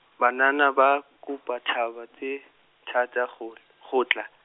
banana ba, kopa thaba tse, thata kgol- , kgotla.